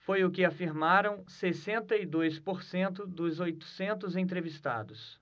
foi o que afirmaram sessenta e dois por cento dos oitocentos entrevistados